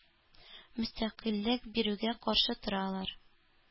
Мөстәкыйльлек бирүгә каршы торалар.